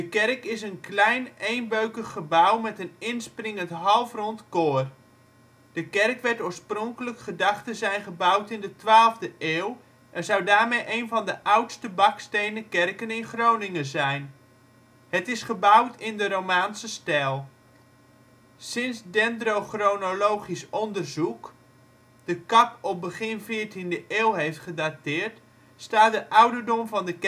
kerk is een klein eenbeukig gebouw met een inspringend halfrond koor. De kerk werd oorspronkelijk gedacht te zijn gebouwd in de 12e eeuw en zou daarmee een van de oudste bakstenen kerken in Groningen zijn. Het is gebouwd in de romaanse stijl. Sinds dendrochronologisch onderzoek de kap op begin veertiende eeuw heeft gedateerd staat de ouderdom van de